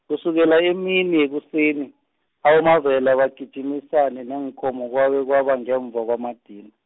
kusukela emini yekuseni, aboMavela bagijimisane neenkomo kwabe kwaba ngemva kwamadina.